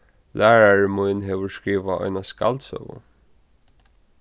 lærari mín hevur skrivað eina skaldsøgu